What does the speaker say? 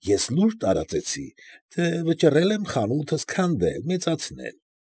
Ես լուր տարածեցի, թե վճռել եմ խանութս քանդել, մեծացնել։